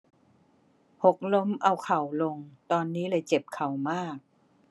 หกล้มเอาเข่าลงตอนนี้เลยเจ็บเข่ามาก